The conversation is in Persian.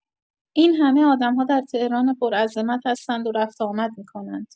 این همه آدم‌ها در تهران پرعظمت هستند و رفت و آمد می‌کنند